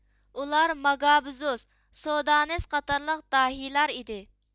ئۇلار ماگابىزوس سودانىس قاتارلىق داھىيلار ئىدى